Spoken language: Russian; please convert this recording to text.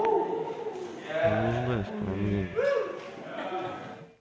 не нуждаюсь в твоем мнении